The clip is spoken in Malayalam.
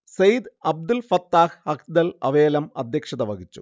സയ്ദ് അബ്ദുൽ ഫത്താഹ് അഹ്ദൽ അവേലം അധ്യക്ഷത വഹിച്ചു